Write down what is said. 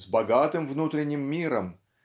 с богатым внутренним миром